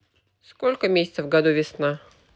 сколько месяцев в году весна